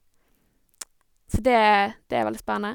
Så det det er veldig spennende.